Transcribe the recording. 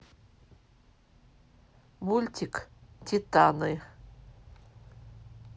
мультик титаны